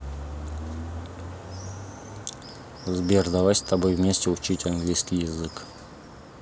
сбер давай с тобой вместе учить английский язык